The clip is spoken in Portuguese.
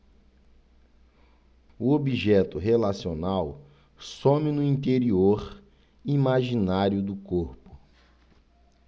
o objeto relacional some no interior imaginário do corpo